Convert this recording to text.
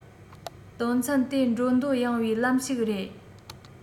དོན ཚན དེ འགྲོ འདོད ཡངས པའི ལམ ཞིག རེད